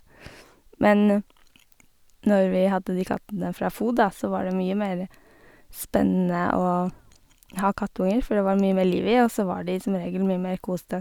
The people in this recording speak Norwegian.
Men når vi hadde de kattene fra FOD da, så var det mye mer spennende å ha kattunger, for de var det mye mer liv i og så var de som regel mye mer kosete.